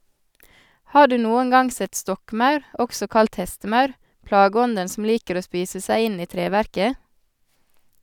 Har du noen gang sett stokkmaur, også kalt hestemaur, plageånden som liker å spise seg inn i treverket?